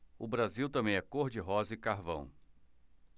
o brasil também é cor de rosa e carvão